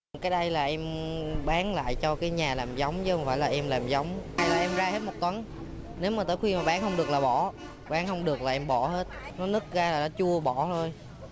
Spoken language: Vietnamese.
cái đây là em bán lại cho cái nhà làm giống nhưng phải là em làm giống như này là hết một tuấn nếu mà tới khuya mà bán không được là bỏ bán không được là em bỏ hết nó nứt ra là nó chua bỏ hôi